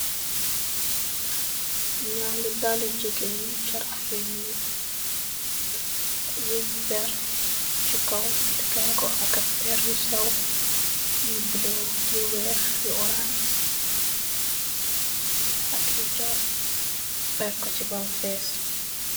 Nyaari daalu jigeen charax yu nuul nyun perr si kaw tekere ak perr su sew yu bulu yu orance ak yu jaw perr ko si bem fess.